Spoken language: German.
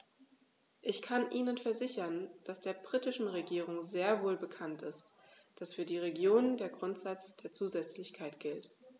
Ich kann Ihnen versichern, dass der britischen Regierung sehr wohl bekannt ist, dass für die Regionen der Grundsatz der Zusätzlichkeit gilt.